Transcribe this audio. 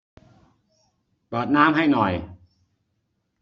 เปิดน้ำให้หน่อย